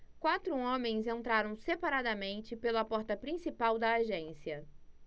quatro homens entraram separadamente pela porta principal da agência